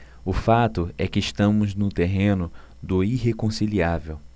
o fato é que estamos no terreno do irreconciliável